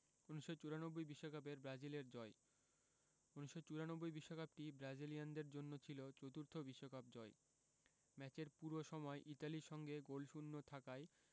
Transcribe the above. ১৯৯৪ বিশ্বকাপের ব্রাজিলের জয় ১৯৯৪ বিশ্বকাপটি ব্রাজিলিয়ানদের জন্য ছিল চতুর্থ বিশ্বকাপ জয় ম্যাচের পুরো সময় ইতালির সঙ্গে গোলশূন্য থাকায়